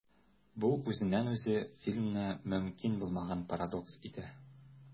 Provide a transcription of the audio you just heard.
Бу үзеннән-үзе фильмны мөмкин булмаган парадокс итә.